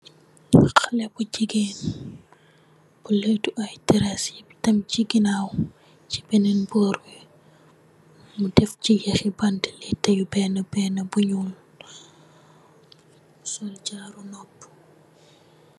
Haley bu jigeen bu lettu ay terès yu dem chi ganaaw. Ci benen boor bi mu def chi yahe bant. Letta yu benen, benen bu ñuul sol jaaro nopp.